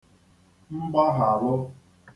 mgbaghàlụ